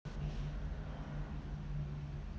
алекса хочу секса с тобой